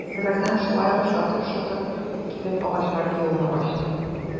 Бераздан шулай ук шатыр-шотыр килеп, агачлар юлны ачты...